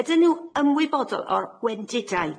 Ydyn n'w ymwybodol o'r gwendidau?